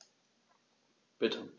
Bitte.